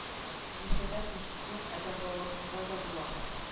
Нишләтәсең шуклык адәм баласында да була